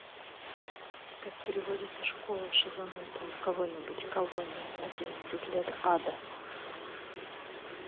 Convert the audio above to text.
как переводится школа шизанутая кого нибудь колония одиннадцать лет ада